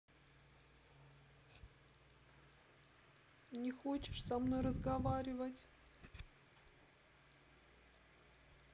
не хочешь со мной разговаривать